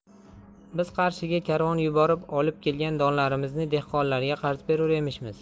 biz qarshiga karvon yuborib olib kelgan donlarimizni dehqonlarga qarz berur emishmiz